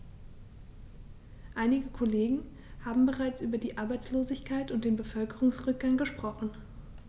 Einige Kollegen haben bereits über die Arbeitslosigkeit und den Bevölkerungsrückgang gesprochen.